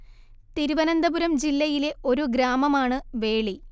തിരുവനന്തപുരം ജില്ലയിലെ ഒരു ഗ്രാമമാണ് വേളി